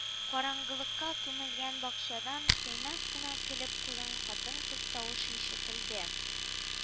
—караңгылыкка күмелгән бакчадан тыйнак кына көлеп куйган хатын-кыз тавышы ишетелде